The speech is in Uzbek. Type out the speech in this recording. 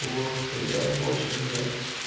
uviq tegar boshingga